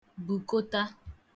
bùkota